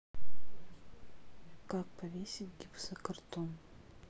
как повесить гипсокартон